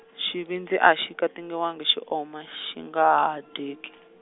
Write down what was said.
xivindzi a xi katingiwa ngi xi oma xi nga ha dyeki.